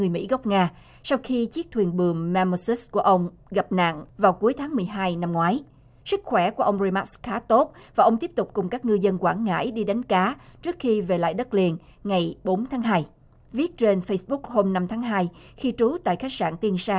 người mỹ gốc nga sau khi chiếc thuyền buồm me mơ dớt của ông gặp nạn vào cuối tháng mười hai năm ngoái sức khỏe của ông ri mát khá tốt và ông tiếp tục cùng các ngư dân quảng ngãi đi đánh cá trước khi về lại đất liền ngày bốn tháng hai viết trên phây búc hôm năm tháng hai khi trú tại khách sạn tiên sa